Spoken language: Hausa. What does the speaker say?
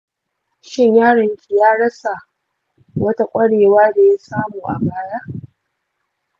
shin yaron ki ya rasa wata ƙwarewa da ya samu a baya?